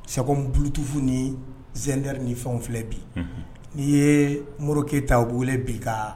Sa burutuffu ni zɛri ni fɛn filɛ bi n'i ye mori ke ta u wele bi ka